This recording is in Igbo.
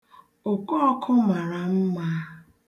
Okọọkụ mara mma.